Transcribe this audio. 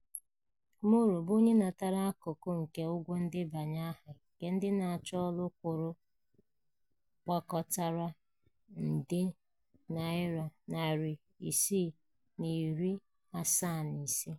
Moro bụ onye natara akụkụ nke ụgwọ ndebanye aha nke ndị na-achọ ọrụ kwụrụ gbakọtara nde naira 675 [ihe dị ka nde $1.8 USD].